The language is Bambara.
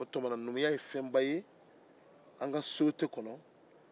o tuma na numuya ye fɛnba ye an sosiyete kɔnɔ